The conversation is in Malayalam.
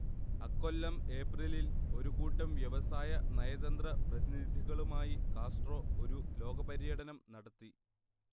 അക്കൊല്ലം ഏപ്രിലിൽ ഒരു കൂട്ടം വ്യവസായ നയതന്ത്ര പ്രതിനിധികളുമായി കാസ്ട്രോ ഒരു ലോക പര്യടനം നടത്തി